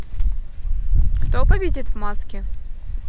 кто победит в маске